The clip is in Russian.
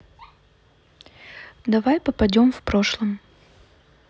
давай попадем в прошлом